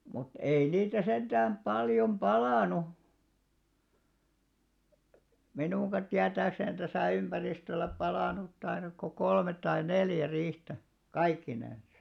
mutta ei niitä sentään paljon palanut minunkaan tietääkseni tässä ympäristöllä palanut taida kuin kolme tai neljä riihtä kaikkinensa